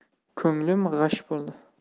ko'nglim g'ash bo'ldi